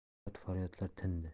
dod faryodlar tindi